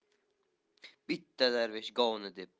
bitta darvesh govni deb